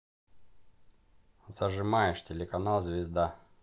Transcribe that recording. зажимаешь телеканал звезда